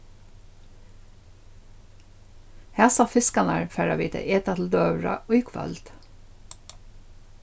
hasar fiskarnar fara vit at eta til døgurða í kvøld